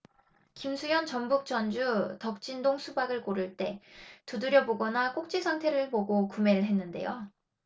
김수현 전북 전주 덕진동 수박을 고를 때 두드려보거나 꼭지 상태를 보고 구매를 했는데요